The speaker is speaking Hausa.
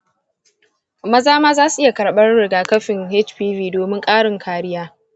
maza ma za su iya karɓar rigakafin hpv domin ƙarin kariya.